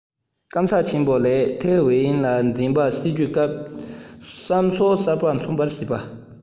སྐམ ས ཆེན པོ ལས ཐའེ ཝན ལ འཛིན པའི སྲིད ཇུས སྐབས བསམ ཕྱོགས གསར པ མཚོན པར བྱེད པ